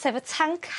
sef y tanc